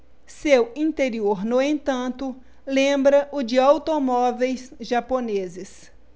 seu interior no entanto lembra o de automóveis japoneses